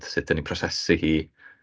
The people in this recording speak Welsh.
Sut dan ni'n prosesu hi.